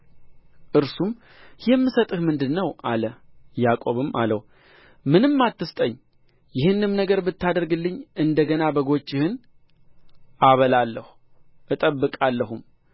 እርሱም የምሰጥህ ምንድር ነው አለ ያዕቆብም አለው ምንም አትስጠኝ ይህንም ነገር ብታደርግልኝ እንደ ገና በጎችህን አበላለሁ እጠብቃለሁም